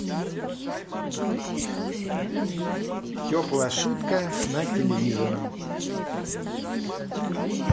теплая шутка на телевизором